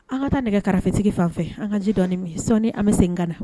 An ka taa nɛgɛ karafesigi fan fɛ an ka ji dɔɔni ye sɔni an bɛ sen ka na